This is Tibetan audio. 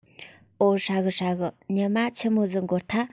འོ ཧྲ གི ཧྲ གི ཉི མ ཆི མོ ཟིག འགོར ཐལ